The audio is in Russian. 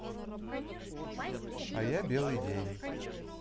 а я белый день